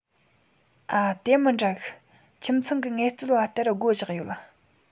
ཨ དེ མི འདྲ གི ཁྱིམ ཚང གི ངལ རྩོལ པ ལྟར སྒོ བཞག ཡོད